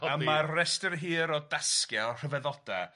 A ma' restyr hir o dasgia o rhyfeddode